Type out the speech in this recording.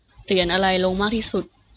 เหรียญอะไรลงมากที่สุด